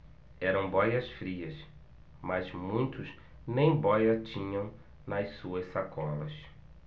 eram bóias-frias mas muitos nem bóia tinham nas suas sacolas